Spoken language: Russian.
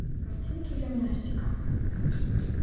картинки гимнастика